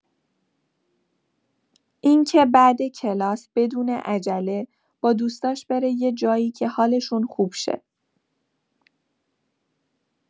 این که بعد کلاس، بدون عجله، با دوستاش بره یه‌جایی که حالشون خوب شه.